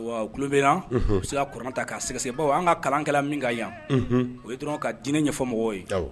Tulo bɛ u sera kta k'asɛ baw an ka kalankɛla min ka yan o ye dɔrɔn ka diinɛ ɲɛfɔ mɔgɔw ye